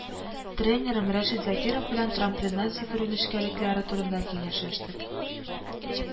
Тренерым Рәшит Закиров белән трамплиннан сикерү нечкәлекләре турында киңәшләштек